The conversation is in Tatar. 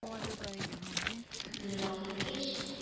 Күпмедер вакыт үткәч